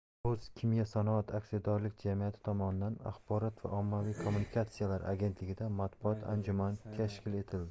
o'zkimyosanoat aksiyadorlik jamiyati tomonidan axborot va ommaviy kommunikatsiyalar agentligida matbuot anjumani tashkil etildi